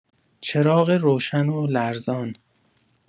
چراغ روشن و لرزان